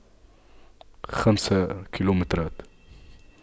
خمسة كيلومترات